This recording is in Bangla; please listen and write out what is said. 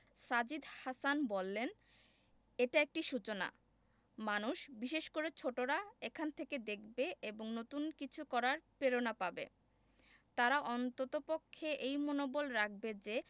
সাজিদ হাসান বললেন এটা একটি সূচনা মানুষ বিশেষ করে ছোটরা এখান থেকে দেখবে এবং নতুন কিছু করার প্রেরণা পাবে তারা অন্ততপক্ষে এই মনোবল রাখবে যে